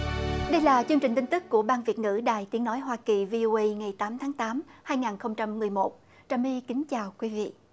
đây là chương trình tin tức của ban việt ngữ đài tiếng nói hoa kỳ vi ô ây ngày tám tháng tám hai ngàn không trăm mười một trà my kính chào quý vị